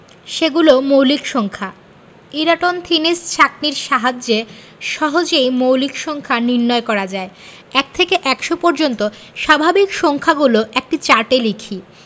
সেগুলো মৌলিক সংখ্যা ইরাটোন্থিনিস ছাঁকনির সাহায্যে সহজেই মৌলিক সংখ্যা নির্ণয় করা যায় ১ থেকে ১০০ পর্যন্ত স্বাভাবিক সংখ্যাগুলো একটি চার্টে লিখি